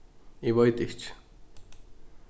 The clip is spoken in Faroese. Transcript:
eg veit ikki